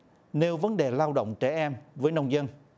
nêu vấn đề lao động trẻ em với nông dân